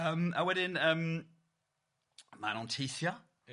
Yym a wedyn yym ma' w'n teithio... Ia...